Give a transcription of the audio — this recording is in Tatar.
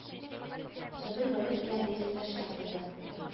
Сабир Вәлүк белән дә исәнләшкән булды